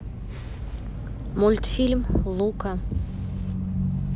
мультфильмы лука